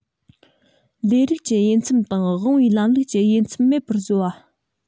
ལས རིགས ཀྱི དབྱེ མཚམས དང དབང བའི ལམ ལུགས ཀྱི དབྱེ མཚམས མེད པར བཟོ པ